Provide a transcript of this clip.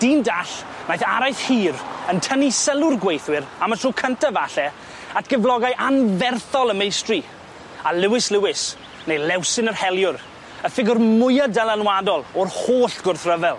Dyn dall naeth araith hir yn tynnu sylw'r gweithwyr am y tro cynta falle at gyflogau anferthol y meistri a Lewis Lewis neu Lewsin yr Heliwr y ffigwr mwya dylanwadol o'r holl gwrthryfel.